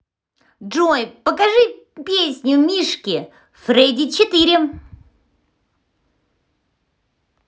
джой покажи песню мишки фредди четыре